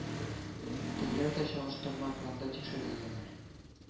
Телләр дә чагыштырма планда тикшереләләр